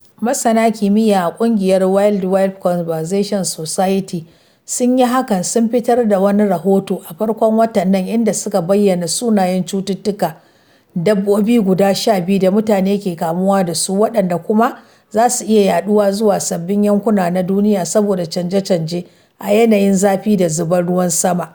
Masana kimiyya a ƙungiyar Wildlife Conservation Society (WCS) sun yi hakan — sun fitar da wani rahoto a farkon watan nan, inda suka bayyana sunayen cututtukan dabbobi guda 12 da mutane ke kamuwa dasu, waɗanda kuma za su iya yaɗuwa zuwa sabbin yankuna na duniya saboda canje-canje a yanayin zafi da zubar ruwan sama.